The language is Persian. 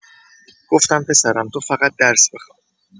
گفتم پسرم تو فقط درس بخوان.